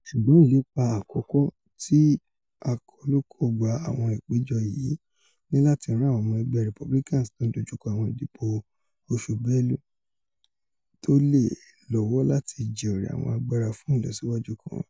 Ṣùgbọ́n ìlépa àkọ́kọ́ ti àkọlùkọgbà àwọn ìpéjọpò yìí ní láti ràn àwọn ọmọ ẹgbẹ́ Republicans tó ńdojúkọ àwọn ìdìbò oṣù Bélú tóle lọ́wọ́ láti jèrè àwọn agbara fún ìlọsíwájú kan.